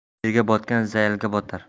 terga botgan zaiga botar